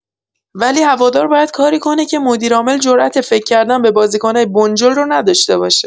ولی هوادار باید کاری کنه که مدیر عامل جرات فکر کردن به بازیکن‌های بنجل رو نداشته باشه